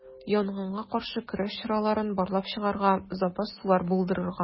Янгынга каршы көрәш чараларын барлап чыгарга, запас сулар булдырырга.